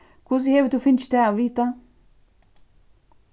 hvussu hevur tú fingið tað at vita